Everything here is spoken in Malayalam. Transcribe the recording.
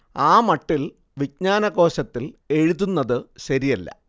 ആ മട്ടിൽ വിജ്ഞാനകോശത്തിൽ എഴുതുന്നത് ശരിയല്ല